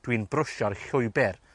Dw i'n brwsio'r llwybyr.